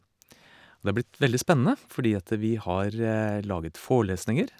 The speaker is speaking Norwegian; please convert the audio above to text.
Det har blitt veldig spennede, fordi at vi har laget forelesninger.